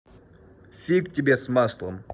фиг тебе с маслом